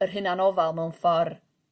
yr hunanofal mewn ffor